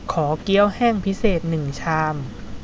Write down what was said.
ขอเกี้ยวแห้งพิเศษหนึ่งชาม